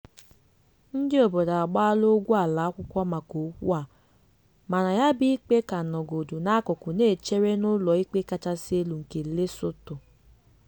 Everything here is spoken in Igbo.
Ndị obodo agbaala ogwuala akwụkwọ maka okwu a, mana ya bu ikpe ka nọgodu n'akụkụ na-echere n'ụlọ Ikpe Kachasị Elu nke Lesotho.